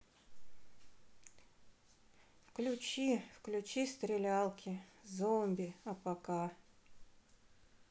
включи включи стрелялки зомби апока